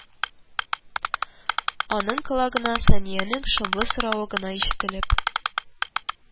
Аның колагына Саниянең шомлы соравы гына ишетелеп